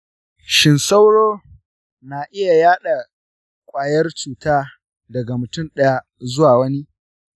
shin sauro na iya yaɗa ƙwayar cutar daga mutum ɗaya zuwa wani?